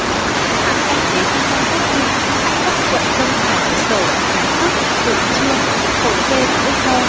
hán cảnh đế tuy không giết nhưng cắt mất quận đông hải của sở lại tước dự chương hội kê của nước ngô